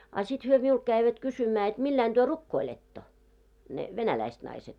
a sitten he minulta kävivät kysymään että millä lailla te rukoilette ne venäläiset naiset